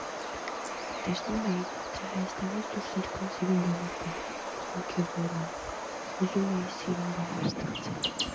Տեսնում էի, թե Հայաստանից դուրս ինչքան սիրուն բաներ կան, ու ոգևորում, ուզում էի սիրուն բաներ ստեղծել։